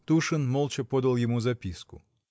Тушин молча подал ему записку.